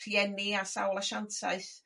rhieni a sawl asiantaeth